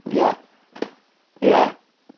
Ie. Ie.